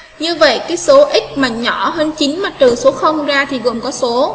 như vậy các số x mà nhỏ hơn mặt trời số không ra thì gồm có số